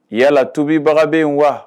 Yalala tubibaga bɛ wa